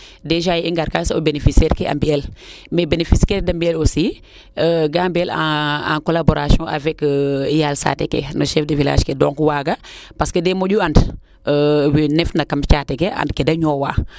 dejas ye i ngar kaa a soɓa beneficiaire ke a mbiyel mais Benefice keene de mbiyel aussi ga mbiyel en colaboration avec yaal saate ke no chef du village ke donc waaga parce que den moƴu an wee ndefna kam saate ke keede ñoowa